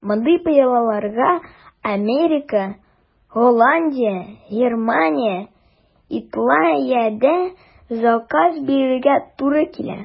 Мондый пыялаларга Америка, Голландия, Германия, Италиядә заказ бирергә туры килә.